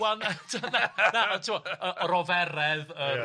Wel na na ti'bod yy yr oferedd